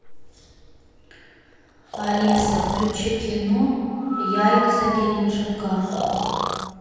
алиса включи кино яйца геленджика